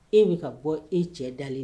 E min ka bɔ e cɛ dalen